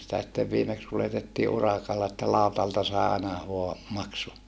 sitä sitten viimeksi kuljetettiin urakalla että lautalta sai aina vain maksun